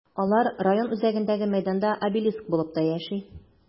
Алар район үзәгендәге мәйданда обелиск булып та яши.